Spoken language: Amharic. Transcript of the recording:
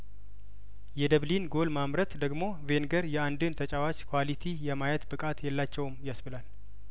የደብሊን ጐል ማምረት ደግሞ ቬንገር የአንድን ተጫዋች ኳሊቲ የማየት ብቃት የላቸውም ያስብላል